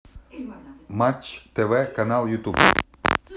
матч тв канал ютуб